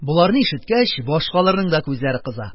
Боларны ишеткәч, башкаларның да күзләре кыза,